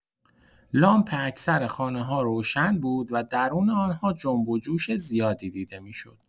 لامپ اکثر خانه‌ها روشن بود و درون آن‌ها جنب‌وجوش زیادی دیده می‌شد.